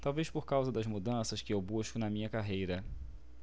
talvez por causa das mudanças que eu busco na minha carreira